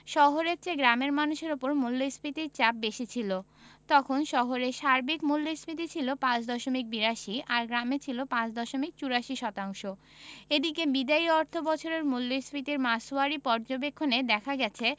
শহরের চেয়ে গ্রামের মানুষের ওপর মূল্যস্ফীতির চাপ বেশি ছিল তখন শহরে সার্বিক মূল্যস্ফীতি ছিল ৫ দশমিক ৮২ আর গ্রামে ছিল ৫ দশমিক ৮৪ শতাংশ এদিকে বিদায়ী অর্থবছরের মূল্যস্ফীতির মাসওয়ারি পর্যবেক্ষণে দেখা গেছে